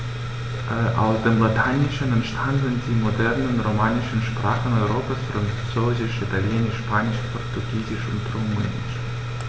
Aus dem Lateinischen entstanden die modernen „romanischen“ Sprachen Europas: Französisch, Italienisch, Spanisch, Portugiesisch und Rumänisch.